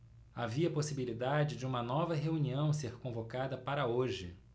havia possibilidade de uma nova reunião ser convocada para hoje